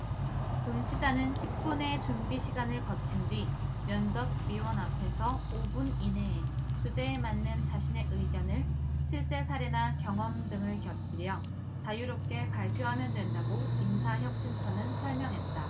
응시자는 십 분의 준비시간을 거친 뒤 면집위원 앞에서 오 분 이내에 주제에 맞는 자신의 의견을 실제사례나 경험 등을 곁들여 자유롭게 발표하면 된다고 인사혁신처는 설명했다